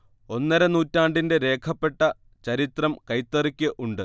ഒന്നര നൂറ്റാണ്ടിന്റെ രേഖപ്പെട്ട ചരിത്രം കൈത്തറിക്ക് ഉണ്ട്